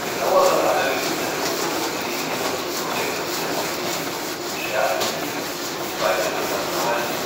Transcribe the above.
Genauere Analysen der Fotos belegen jedoch die korrekten Perspektiven, Schärfentiefen und weitere Sachverhalte,